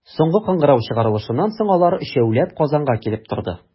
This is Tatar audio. Соңгы кыңгырау чыгарылышыннан соң, алар, өчәүләп, Казанга килеп торды.